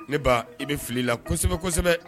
Ne ba i bɛ fili la kosɛbɛ kosɛbɛ